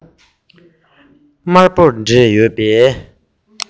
དམར པོ འདྲེས ཡོད པས